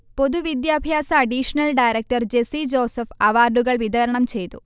പൊതുവിദ്യാഭ്യാസ additional director Jessy Joseph അവാർഡുകൾ വിതരണംചെയ്തു